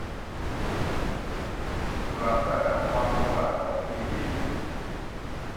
ปรับระดับระดับความสว่างของทีวี